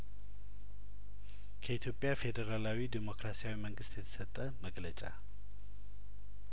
ከኢትዮጵያ ፌዴራላዊ ዲሞክራሲያዊ መንግስት የተሰጠ መግለጫ